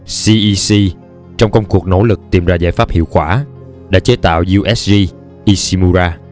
cec trong công cuộc nỗ lực tìm ra giải pháp hiệu quả đã chế tạo usg ishimura